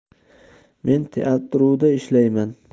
men teatruda ishlayman